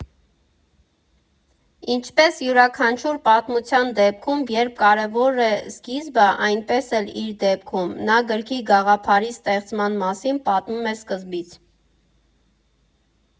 Ինչպես յուրաքանչյուր պատմության դեպքում, երբ կարևոր է սկիզբը, այնպես էլ իր դեպքում՝ նա գրքի գաղափարի ստեղծման մասին պատմում է սկզբից.